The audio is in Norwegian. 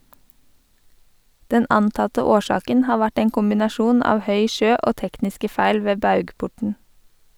Den antatte årsaken har vært en kombinasjon av høy sjø og tekniske feil ved baugporten.